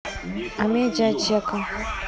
амедиатека